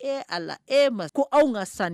E a e ma ko aw ka san